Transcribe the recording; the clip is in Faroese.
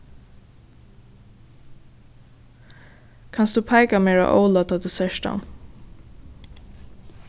kanst tú peika mær á óla tá ið tú sært hann